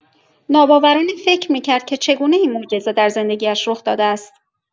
ناباورانه فکر می‌کرد که چگونه این معجزه در زندگی‌اش رخ‌داده است.